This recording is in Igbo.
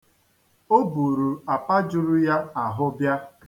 O buru apa juru ya ahụ bịa.